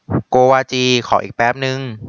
โกวาจีขออีกแปปนึง